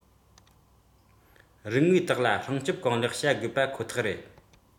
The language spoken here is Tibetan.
སྔོན ལ གཡུག པ ཡིན པ ཁོ ཐག རེད